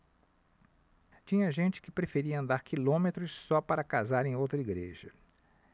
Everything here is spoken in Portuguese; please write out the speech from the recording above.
tinha gente que preferia andar quilômetros só para casar em outra igreja